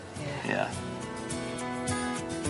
Ie. Ia.